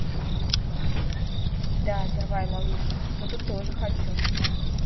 да давай малышка что то тоже хочу